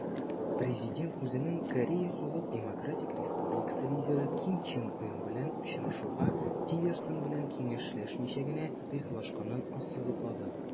Президент үзенең КХДР лидеры Ким Чен Ын белән очрашуга Тиллерсон белән киңәшләшмичә генә ризалашканын ассызыклады.